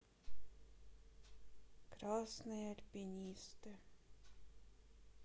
красные альпинисты